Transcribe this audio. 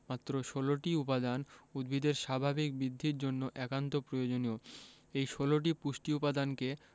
মাত্র ১৬টি উপাদান উদ্ভিদের স্বাভাবিক বৃদ্ধির জন্য একান্ত প্রয়োজনীয় এ ১৬টি পুষ্টি উপাদানকে